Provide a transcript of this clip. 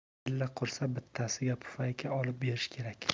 jilla qursa bittasiga pufayka olib berish kerak